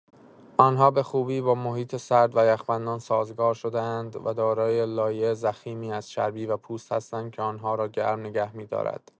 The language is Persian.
آن‌ها به خوبی با محیط سرد و یخبندان سازگار شده‌اند و دارای لایه ضخیمی از چربی و پوست هستند که آن‌ها را گرم نگه می‌دارد.